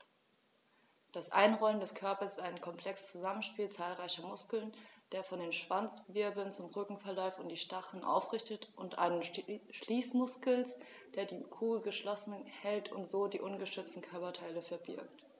Das Einrollen des Körpers ist ein komplexes Zusammenspiel zahlreicher Muskeln, der von den Schwanzwirbeln zum Rücken verläuft und die Stacheln aufrichtet, und eines Schließmuskels, der die Kugel geschlossen hält und so die ungeschützten Körperteile verbirgt.